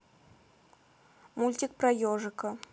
мультик про ежика